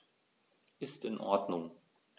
Ist in Ordnung.